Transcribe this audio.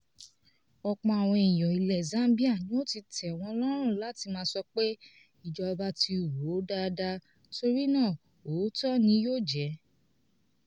Ọ̀pọ̀ àwọn èèyàn ilẹ̀ Zambia ni ó ti tẹ́ wọn lọ́rùn láti máa sọ pé, " ìjọba ti rò ó dáadáa, torí náà òótọ́ ni yóò jẹ́.